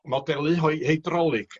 modelu hoi- heidrolig